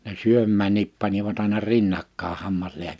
ne syömäänkin panivat aina rinnakkain -